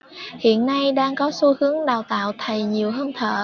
hiện nay đang có xu hướng đào tạo thầy nhiều hơn thợ